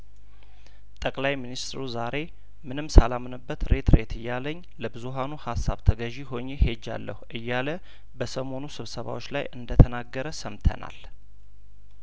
ጠቅላይ ሚኒስትሩ ዛሬ ምንም ሳላምንበት ሬት ሬት እያለኝ ለብዙሀኑ ሀሳብ ተገዥ ሆኜ ሄጃለሁ እያለ በሰሞኑ ስብሰባዎች ላይ እንደተናገረ ሰምተናል